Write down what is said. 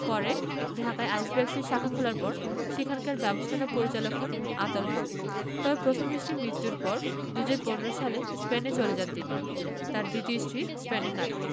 পরে ঢাকায় আইব্যাকসের শাখা খোলার পর সেখানকার ব্যবস্থাপনা পরিচালক হন আতাউল হক তবে প্রথম স্ত্রীর মৃত্যুর পর ২০১৫ সালে স্পেনে চলে যান তিনি তাঁর দ্বিতীয় স্ত্রী স্পেনের নাগরিক